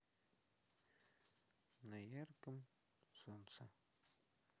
на ярком солнце